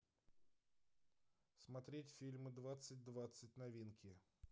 смотреть фильмы двадцать двадцать новинки